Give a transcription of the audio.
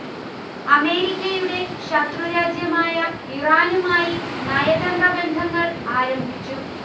അമേരിക്കയുടെ ശത്രുരാജ്യമായ ഇറാനുമായി നയതന്ത്ര ബന്ധങ്ങൾ ആരംഭിച്ചു